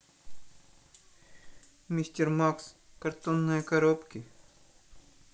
мистер макс картонные коробки